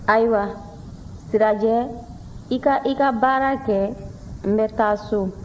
ayiwa sirajɛ i ka i ka baara kɛ n bɛ taa so